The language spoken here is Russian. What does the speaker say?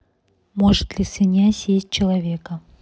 может ли свинья съесть человека